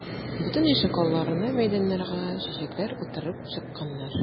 Бөтен ишек алларына, мәйданнарга чәчәкләр утыртып чыкканнар.